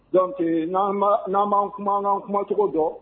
N n'an'an kuma kumacogo dɔn